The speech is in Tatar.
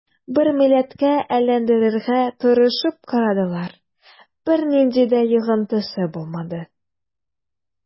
Бер милләткә әйләндерергә тырышып карадылар, бернинди дә йогынтысы булмады.